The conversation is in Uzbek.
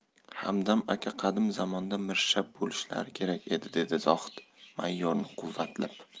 hamdam aka qadim zamonda mirshab bo'lishlari kerak edi dedi zohid mayorni quvvatlab